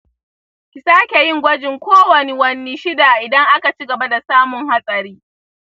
ki sakeyin gwajin kowani wanni shida idan aka cigaba da samun hatsari.